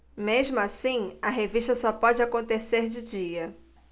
mesmo assim a revista só pode acontecer de dia